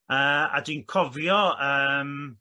yy a dwi'n cofio yym